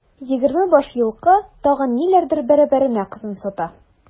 Егерме баш елкы, тагын ниләрдер бәрабәренә кызын сата.